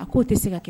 K'o tɛ se ka kɛ